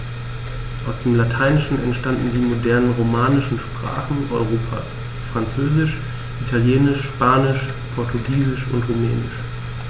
Aus dem Lateinischen entstanden die modernen „romanischen“ Sprachen Europas: Französisch, Italienisch, Spanisch, Portugiesisch und Rumänisch.